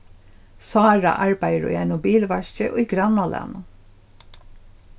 sára arbeiðir í einum bilvaski í grannalagnum